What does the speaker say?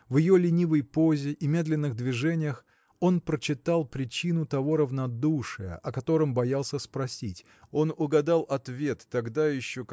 в ее ленивой позе и медленных движениях он прочитал причину того равнодушия о котором боялся спросить он угадал ответ тогда еще